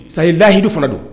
Sayi lahahidu fana don